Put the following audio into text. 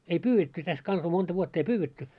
ei pyydetty tässä kanssa monta vuotta ei pyydetty